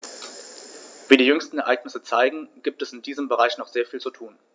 Wie die jüngsten Ereignisse zeigen, gibt es in diesem Bereich noch sehr viel zu tun.